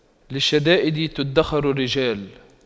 للشدائد تُدَّخَرُ الرجال